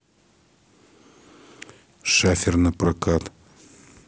шафер на прокат